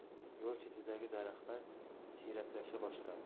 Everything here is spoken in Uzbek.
yo'l chetidagi daraxtlar siyraklasha boshladi